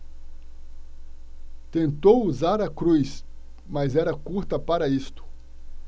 tentou usar a cruz mas era curta para isto